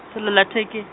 selela theke-.